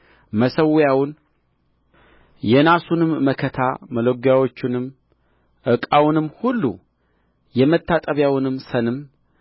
መሠዊያውን የናሱንም መከታ መሎጊያዎቹንም ዕቃውንም ሁሉ የመታጠቢያውን ሰንም